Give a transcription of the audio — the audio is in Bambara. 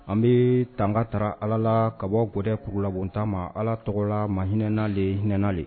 An bɛ tanga taara Ala la ka bɔ gotɛ kurulabonta ma Ala tɔgɔla ma hinɛna le hinɛna le